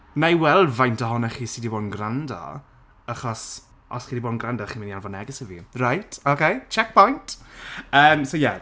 wna i weld faint ohonoch chi sy 'di bod yn gwrando achos os chi 'di bod yn gwrando chi'n mynd i anfon neges i fi reit ok checkpoint yym so ie